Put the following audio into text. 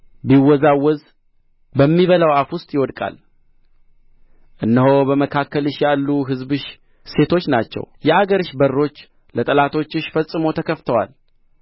ቢወዛወዝ በሚበላው አፍ ውስጥ ይወድቃል እነሆ በመካከልሽ ያሉ ሕዝብሽ ሴቶች ናቸው የአገርሽ በሮች ለጠላቶችሽ ፈጽሞ ተከፍተዋል